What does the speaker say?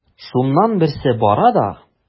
Шуннан берсе бара да:.